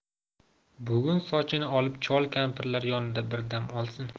bugun sochini olib chol kampirlar yonida bir dam olsin